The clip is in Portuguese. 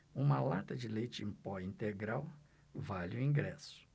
uma lata de leite em pó integral vale um ingresso